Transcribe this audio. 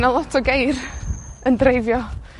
Ma' 'na lot o geir, yn dreifio